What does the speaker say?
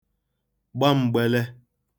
gba m̄gbēlē